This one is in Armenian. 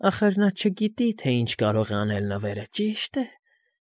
Ախր նա չգիտի, թե ինչ կարող է անել նվերը, ճի՞շտ է։